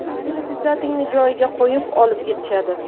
hozir kelib izzatingni joyiga qo'yib olib ketishadi